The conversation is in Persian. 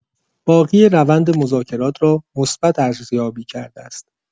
باقری روند مذاکرات را مثبت ارزیابی کرده است.